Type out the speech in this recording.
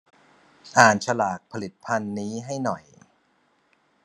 อ่านฉลากผลิตภัณฑ์นี้ให้หน่อย